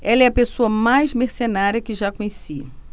ela é a pessoa mais mercenária que já conheci